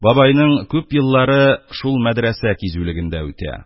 Бабайның күп еллары шул мәдрәсә кизүлегендә үтә.